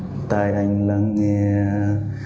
tai anh lắng nghe